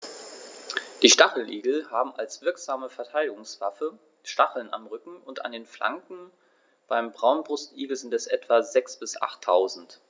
Die Stacheligel haben als wirksame Verteidigungswaffe Stacheln am Rücken und an den Flanken (beim Braunbrustigel sind es etwa sechs- bis achttausend).